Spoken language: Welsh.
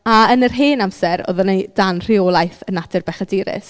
A yn yr hen amser oedden ni dan rheolaeth y natur bechadurus.